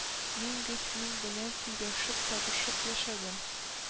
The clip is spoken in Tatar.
Мин гел синең белән сөйләшеп-табышып яшәдем